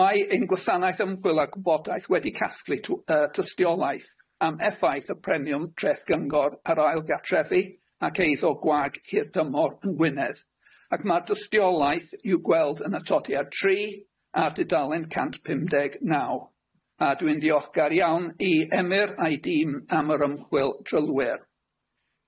Mae ain gwasanaeth ymchwil a gwybodaeth wedi casglu trw- yy dystiolaeth am effaith y premiwm treth gyngor, yr ail gartrefi ac eidd o gwag hirdymor yn Gwynedd, ac ma'r dystiolaeth i'w gweld yn atodiad tri, ar dudalen cant pum deg naw, a dwi'n ddiolchgar iawn i Emyr a'i dîm am yr ymchwil drylwyr.